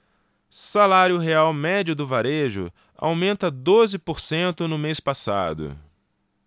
salário real médio do varejo aumenta doze por cento no mês passado